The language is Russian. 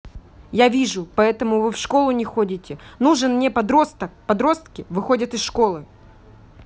я вижу поэтому вы в школу не ходите нужен мне подросток подростки выходят из школы